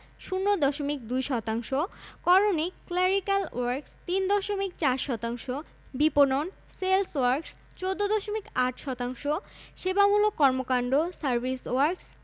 ০ দশমিক ২ শতাংশ করণিক ক্ল্যারিক্যাল ওয়ার্ক্স ৩ দশমিক ৪ শতাংশ বিপণন সেলস ওয়ার্ক্স ১৪দশমিক ৮ শতাংশ সেবামূলক কর্মকান্ড সার্ভিস ওয়ার্ক্স